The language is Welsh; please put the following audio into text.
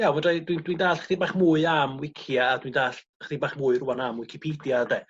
Ia fedrai dwi dwi'n dall' chydig bach mwy am wici a dwi'n dall' chydig bach mwy rŵan am wicipedia 'de?